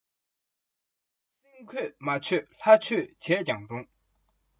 ནོར བཟང རྒྱ ལུའི བཙུན མོར ཉན མདོག མེད